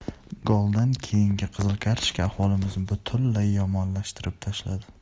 goldan keyingi qizil kartochka ahvolimizni butunlay yomonlashtirib tashladi